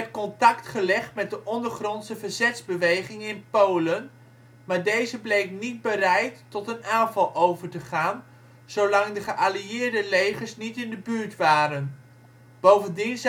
contact gelegd met de ondergrondse verzetsbeweging in Polen, maar deze bleek niet bereid tot een aanval over te gaan zolang de geallieerde legers niet in de buurt waren. Bovendien